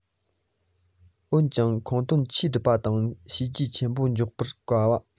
འོན ཀྱང ཁོང དོན ཆེན སྒྲུབ པ དང བྱས རྗེས ཆེན པོ འཇོག པར དགའ བ